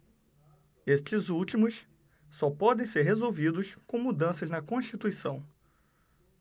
estes últimos só podem ser resolvidos com mudanças na constituição